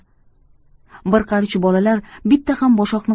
bir qarich bolalar bitta ham boshoqni